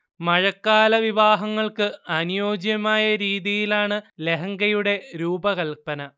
മഴക്കാല വിവാഹങ്ങൾക്ക് അനുയോജ്യമായ രീതിയിലാണ് ലഹങ്കയുടെ രൂപകല്പന